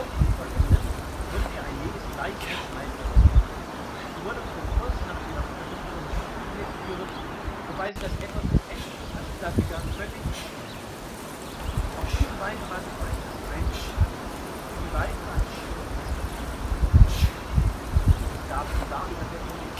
unvollendet wurde die Aeneis gleich als Meisterwerk erkannt. Sie wurde schon kurz nach ihrer Veröffentlichung zur Schullektüre, wobei sie das Epos des Ennius als Klassiker völlig verdrängte. Auf diese Weise war sie äußerst einflussreich für die weitere antike und christlich-antike Literatur. Es gab sogar Übersetzungen